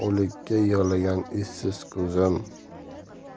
o'likka yig'lagan esiz ko'zim